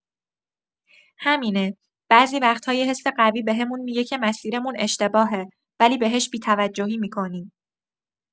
همینه، بعضی وقتا یه حس قوی بهمون می‌گه که مسیرمون اشتباهه، ولی بهش بی‌توجهی می‌کنیم.